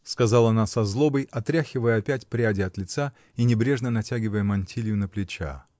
— сказала она с злобой, отряхивая опять пряди от лица и небрежно натягивая мантилью на плеча.